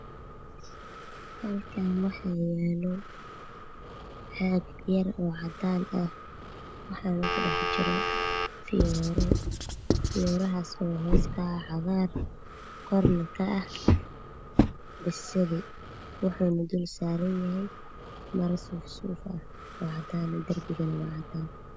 Halkan waxa yaalo caag yar oo cadan ah waxana ku dhex jira fiyoore fiyoorahaso hoos ka ah cagar korna ka ah basali wuxuna dul saran yahy maro suf suuf ah oo cadan ah darbigana waa cadan